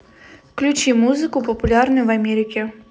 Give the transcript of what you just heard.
включи музыку популярную в америке